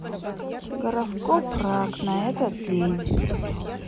гороскоп рак на этот день